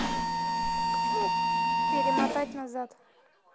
перемотать назад